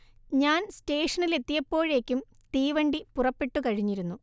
ഞാൻ സ്റ്റേഷനിലെത്തിയപ്പോഴേക്കും തീവണ്ടി പുറപ്പെട്ടു കഴിഞ്ഞിരുന്നു